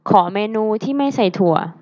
ขอเมนูที่ไม่ใส่ถั่ว